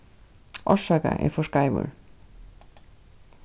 orsaka eg fór skeivur